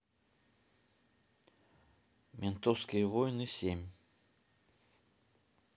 ментовские войны семь